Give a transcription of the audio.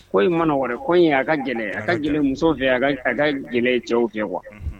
Ko in mana wɛrɛ ko in ye aa ka a ka j muso fɛ a ka gɛlɛya cɛw fɛ wa